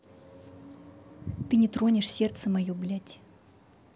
ты не тронешь сердце мое блядь